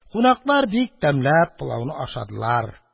Кунаклар бик тәмләп пылауны ашадылар.